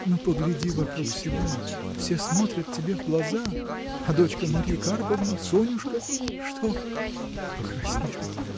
Ну, погляди вокруг себя: все смотрят тебе в глаза. А дочка Марьи Карповны, Сонюшка? Что. покраснел?